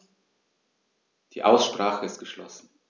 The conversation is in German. Die Aussprache ist geschlossen.